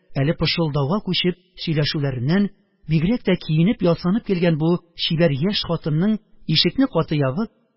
Әле пышылдауга күчеп сөйләшүләреннән, бигрәк тә киенеп-ясанып килгән бу чибәр яшь хатынның ишекне каты ябып